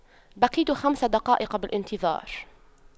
بقيت خمس دقائق بالانتظار